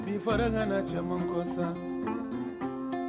Bi fɔra ŋana caman kɔ sa